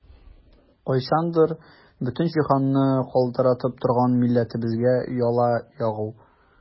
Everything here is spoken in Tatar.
Кайчандыр бөтен җиһанны калтыратып торган милләтебезгә яла ягу!